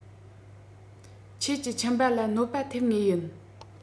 ཁྱེད ཀྱི མཆིན པ ལ གནོད པ ཐོབ ངེས ཡིན